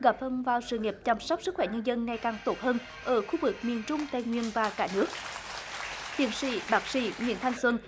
góp phần vào sự nghiệp chăm sóc sức khỏe nhân dân ngày càng tốt hơn ở khu vực miền trung tây nguyên và cả nước tiến sĩ bác sĩ nguyễn thanh xuân